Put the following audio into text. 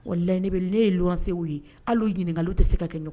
Walahi ni y'o loyer ye hali ɲininkali tɛ se ka kɛ ɲɔgɔn na